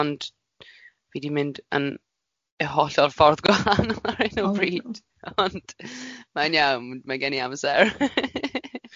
Ond fi di mynd yn y hollol ffordd gwahanol ar hyn o bryd. Ond mae'n iawn, mae gen i amser .